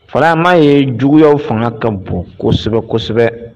Fana, a ma ye juguyaw fanga ka bon kosɛbɛ kosɛbɛ.